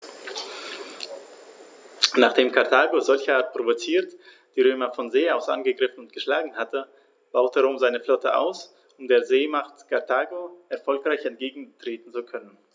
Nachdem Karthago, solcherart provoziert, die Römer von See aus angegriffen und geschlagen hatte, baute Rom seine Flotte aus, um der Seemacht Karthago erfolgreich entgegentreten zu können.